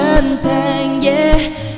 thành dia ê